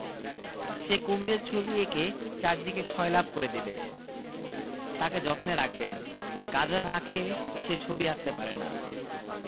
সে কুমীরের ছবি একে চারদিকে ছয়লাপ করে দেবে তাকে যত্নে রাখবেন গাজা না খেয়ে সে ছবি আঁকতে পারে না